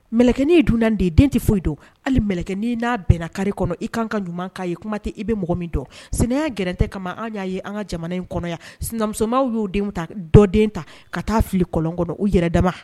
Mɛlɛkɛni ye dunan de ye, den tɛ foyi don , hali mɛlɛknin n'i n'a bɛnna carré kɔnɔ i ka kan ka ɲuman k'a ye kuma tɛ i bɛ mɔgɔ min dɔn sinaya gɛlɛya kama an y'a ye an ka jamana in kɔnɔ, sinamuso y'o denw ta ,dɔ den ta ka taa fili kolon kɔnɔ u yɛrɛ daba